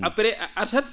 après a artat